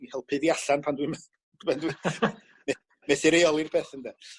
i helpu fi allan pan dwi'n me- pan dw i... ...me- methu reoli'r beth ynde?